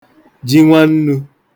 jinwannu